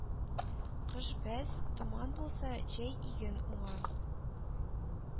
Кыш бәс, томан булса, җәй иген уңа